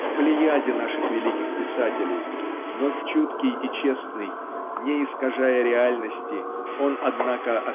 к плеяде наших великих писателей но чуткий и честный не искажая реальности он однако